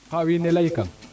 xa wiin we ley kang